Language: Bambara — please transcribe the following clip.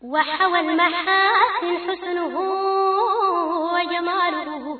Wa wadugu